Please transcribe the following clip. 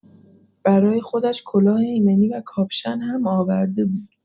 برای خودش کلاه ایمنی و کاپشن هم آورده بود.